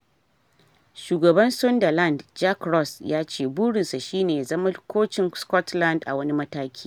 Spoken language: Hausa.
Shugaban Sunderland Jack Ross ya ce "burinsa" shi ne ya zama kocin Scotland a wani mataki.